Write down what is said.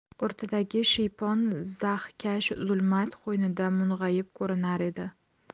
o'rtadagi shiypon zaxkash zulmat qo'ynida mung'ayib ko'rinar edi